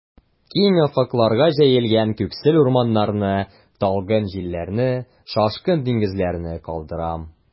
Киң офыкларга җәелгән күксел урманнарны, талгын җилләрне, шашкын диңгезләрне калдырам.